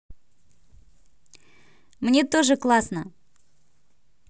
мне тоже классно